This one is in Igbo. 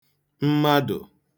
mmadụ̀